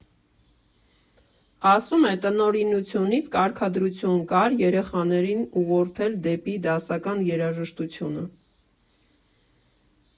Ասում է՝ տնօրինությունից կարգադրություն կար երեխաներին ուղղորդել դեպի դասական երաժշտությունը։